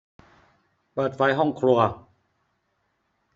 เปิดไฟห้องครัว